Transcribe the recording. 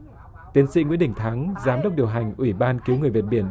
tiến sĩ nguyễn đình thắng giám đốc điều hành ủy ban cứu người việt biển